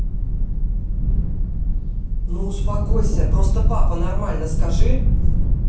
ну успокойся просто папа нормально скажи